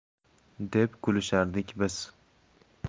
deb kulishardik biz